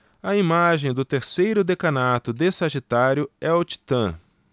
a imagem do terceiro decanato de sagitário é o titã